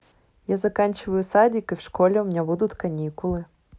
я заканчиваю садик и в школе у меня будут каникулы